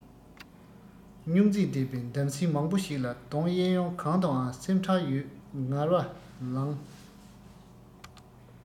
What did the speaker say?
རྙོག འཛིང ལྡན པའི གདམ གསེས མང བོ ཞིག ལ གདོང གཡས གཡོན གང དུའང སེམས ཁྲལ ཡོད ངལ བ བསླངས